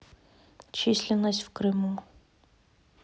численность в крыму